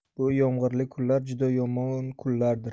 bu yomg'irli kunlar juda yomon kunlardir